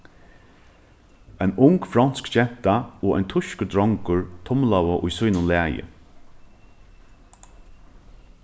ein ung fronsk genta og ein týskur drongur tumlaðu í sínum lagi